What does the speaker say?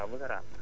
Pape Leye